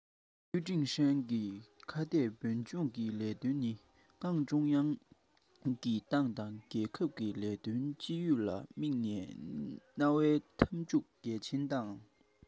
ཡུས ཀྲེང ཧྲེང གིས ཁ གཏད བོད སྐྱོར གྱི ལས དོན ནི ཏང ཀྲུང དབྱང གིས ཏང དང རྒྱལ ཁབ ཀྱི ལས དོན སྤྱི ཡོངས ལ དམིགས ནས གནང བའི འཐབ ཇུས གལ ཆེན དང